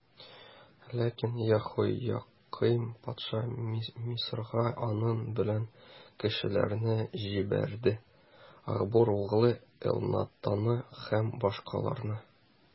Ләкин Яһоякыйм патша Мисырга аның белән кешеләрне җибәрде: Ахбор углы Элнатанны һәм башкаларны.